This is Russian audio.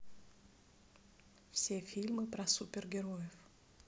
все фильмы про супер героев